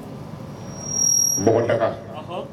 Bɔgɔdaga.